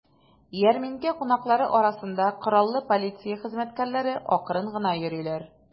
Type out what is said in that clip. Ярминкә кунаклары арасында кораллы полиция хезмәткәрләре акрын гына йөриләр.